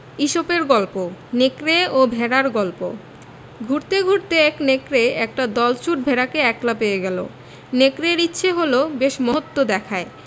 ইসপের গল্প নেকড়ে ও ভেড়ার গল্প ঘুরতে ঘুরতে এক নেকড়ে একটা দলছুট ভেড়াকে একলা পেয়ে গেল নেকড়ের ইচ্ছে হল বেশ মহত্ব দেখায়